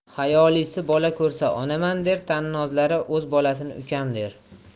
hayolisi bola ko'rsa onaman der tannozlari o'z bolasini ukam der